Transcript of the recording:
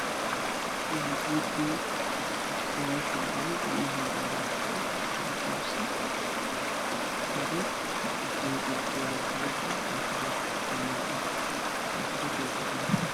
Gaari loogu talo galay ilmaha yariiska ah gaariga larkiisu waa jaalle waxaa ku ciyaarayo cunug yar